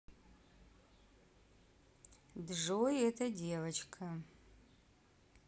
джой это девочка